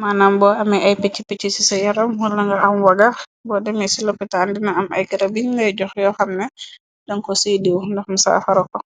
manam bo ame ay pëcci pëcci ci sa yaram la nga am waga bo deme ci lopitan dina am ay garab yiñ lay jox yo xamneh dan ko say diiw ndax mu sa fara ko.